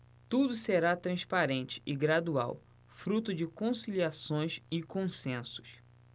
tudo será transparente e gradual fruto de conciliações e consensos